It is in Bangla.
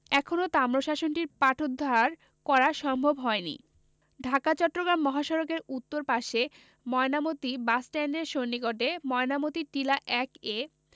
এখনও তাম্রশাসনটির পাঠোদ্ধার করা সম্ভব হয়নি ঢাকা চট্টগ্রাম মহাসড়কের উত্তর পাশে ময়নামতী বাসস্ট্যান্ডের সন্নিকটে ময়নামতী টিলা ১ এ